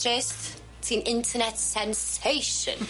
Tryst, ti'n internet sensation.